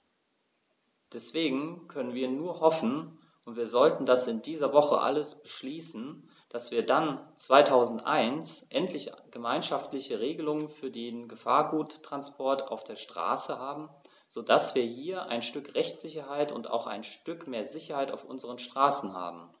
Deswegen können wir nur hoffen - und wir sollten das in dieser Woche alles beschließen -, dass wir dann 2001 endlich gemeinschaftliche Regelungen für den Gefahrguttransport auf der Straße haben, so dass wir hier ein Stück Rechtssicherheit und auch ein Stück mehr Sicherheit auf unseren Straßen haben.